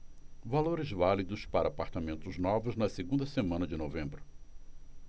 valores válidos para apartamentos novos na segunda semana de novembro